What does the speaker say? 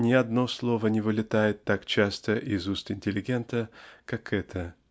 ни одно слово не вылетает так часто из уст интеллигента как это